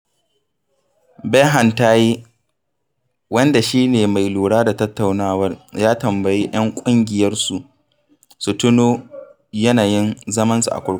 Berhan Taye, wanda shi ne mai lura da tattaunawar, ya tambayi 'yan ƙungiyar su tuno yanayin zamansu a kurkuku.